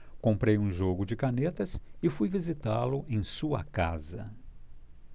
comprei um jogo de canetas e fui visitá-lo em sua casa